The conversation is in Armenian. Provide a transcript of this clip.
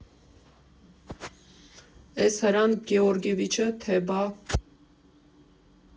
Էս Հրանտ Գեորգիեվիչը, թե բա.